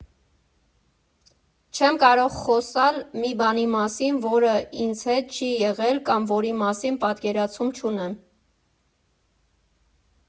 Չեմ կարող խոսալ մի բանի մասին, որը ինձ հետ չի եղել կամ որի մասին պատկերացում չունեմ։